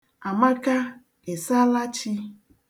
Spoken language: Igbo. Amaka, ịsaalachi.